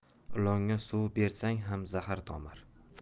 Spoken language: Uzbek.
ilonga suv bersang ham zahar tomar